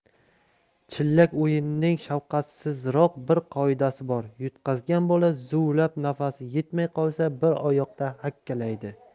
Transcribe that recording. chillak o'yinining shafqatsizroq bir qoidasi bor yutqazgan bola zuvlab nafasi yetmay qolsa bir oyoqda hakkalaydi